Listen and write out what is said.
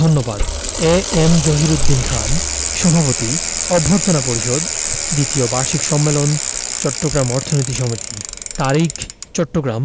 ধন্যবাদ A M Zahiruddin Khan সভাপতি অভ্যর্থনা পরিষদ দ্বিতীয় বার্ষিক সম্মেলন চট্টগ্রাম অর্থনীতি সমিতি তারিখ চট্টগ্রাম